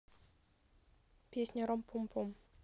песня ром пом пом